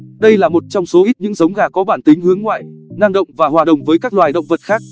đây là một trong số ít những giống gà có bản tính hướng ngoại năng động và hòa đồng với các loài động vật khác